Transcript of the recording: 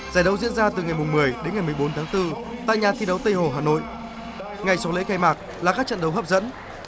giải đấu diễn ra từ ngày mùng mười đến ngày mười bốn tháng tư tại nhà thi đấu tây hồ hà nội ngay sau lễ khai mạc là các trận đấu hấp dẫn